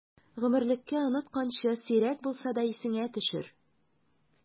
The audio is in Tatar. Гомерлеккә онытканчы, сирәк булса да исеңә төшер!